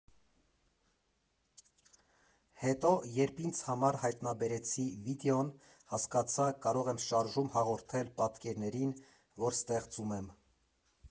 Հետո, երբ ինձ համար հայտնաբերեցի վիդեոն , հասկացա՝ կարող եմ շարժում հաղորդել պատկերներին, որ ստեղծում եմ։